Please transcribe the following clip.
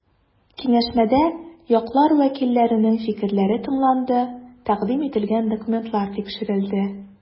Киңәшмәдә яклар вәкилләренең фикерләре тыңланды, тәкъдим ителгән документлар тикшерелде.